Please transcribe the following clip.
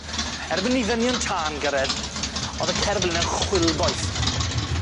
Erbyn i ddynion tân gyrredd o'dd y cerflun yn chwilboeth.